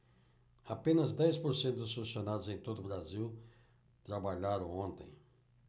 apenas dez por cento dos funcionários em todo brasil trabalharam ontem